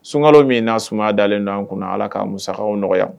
Sunkalo min na sumaya dalenlen don kunna ala ka musaw nɔgɔya